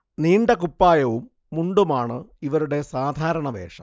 നീണ്ട കുപ്പായവും മുണ്ടുമാണ് ഇവരുടെ സാധാരണ വേഷം